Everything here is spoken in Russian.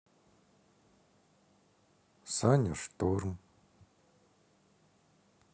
саня шторм